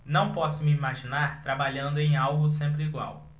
não posso me imaginar trabalhando em algo sempre igual